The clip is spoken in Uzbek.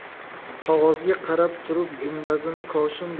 qog'ozga qarab turib gumbazini koshin